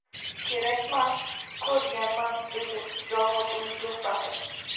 kerakmas ko'rganman dedi zohid uni to'xtatib